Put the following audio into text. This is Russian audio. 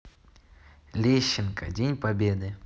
лещенко день победы